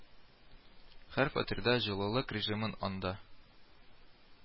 Һәр фатирда җылылык режимын анда